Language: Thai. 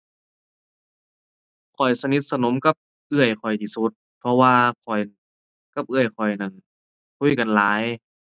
ข้อยสนิทสนมกับเอื้อยข้อยที่สุด เพราะว่าข้อยกับเอื้อยข้อยนั้นคุยกันหลาย